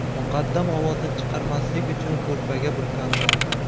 muqaddam ovozini chiqarmaslik uchun ko'rpaga burkanib oldi